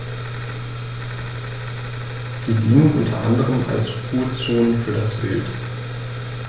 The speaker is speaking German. Sie dienen unter anderem als Ruhezonen für das Wild.